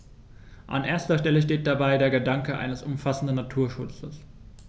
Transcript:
An erster Stelle steht dabei der Gedanke eines umfassenden Naturschutzes.